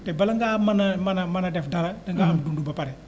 te bala ngaa mën a mën a mën a def dara da ngaa am dund ba pare